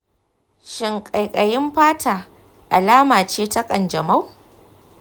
shin kaikayin fata alama ce ta kanjamau?